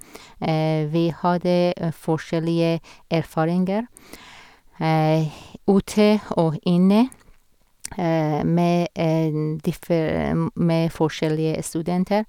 Vi hadde forskjellige erfaringer ute og inne med en differ med forskjellige studenter.